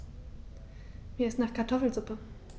Mir ist nach Kartoffelsuppe.